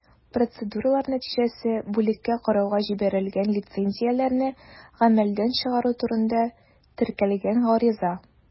Процедуралар нәтиҗәсе: бүлеккә карауга җибәрелгән лицензияләрне гамәлдән чыгару турында теркәлгән гариза.